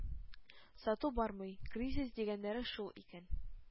Сату бармый. Кризис дигәннәре шул икән.